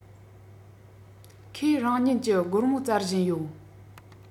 ཁོས རང ཉིད ཀྱི སྒོར མོ བཙལ བཞིན ཡོད